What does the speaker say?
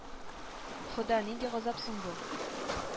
Хода нинди газап соң бу